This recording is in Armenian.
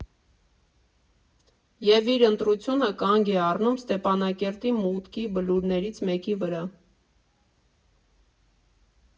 Եվ իր ընտրությունը կանգ է առնում Ստեփանակերտի մուտքի բլուրներից մեկի վրա։